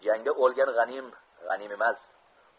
jangda o'lgan g'anim g'anim emas